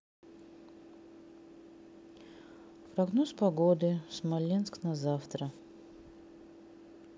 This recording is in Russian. прогноз погоды смоленск на завтра